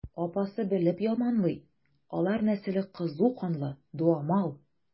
Апасы белеп яманлый: алар нәселе кызу канлы, дуамал.